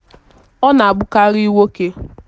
Ọ na-abụkarị nwoke.